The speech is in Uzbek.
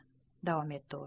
davom etdi u